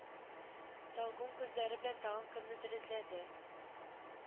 Талгун күзләре белән тагын кемнедер эзләде